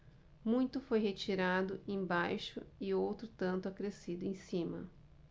muito foi retirado embaixo e outro tanto acrescido em cima